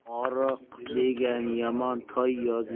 oriq degan yomon toy